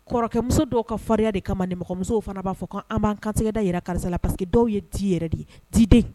Kɔrɔkɛmuso dɔw ka farin de kama dimɔgɔmuso fana b'a fɔ ko an b'an kansɛda jira karisa la pari que dɔw ye' yɛrɛ de ye tden